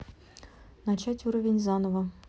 начать уровень заново